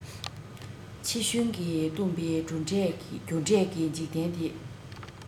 ཕྱི ཤུན གྱིས བཏུམ པའི རྒྱུ འབྲས ཀྱི འཇིག རྟེན འདི